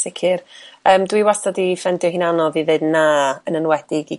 Sicr ymm dwi wastad 'di ffendio hi'n anodd i ddeud na yn enwedig i